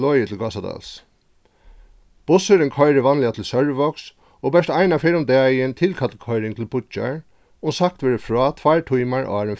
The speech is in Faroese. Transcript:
flogið til gásadals bussurin koyrir vanliga til sørvágs og bert eina ferð um dagin tilkallikoyring til bíggjar og sagt verður frá tveir tímar áðrenn